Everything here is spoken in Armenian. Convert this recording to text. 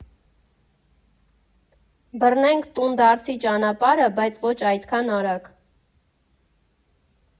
Բռնենք տունդարձի ճանապարհը, բայց ոչ այդքան արագ։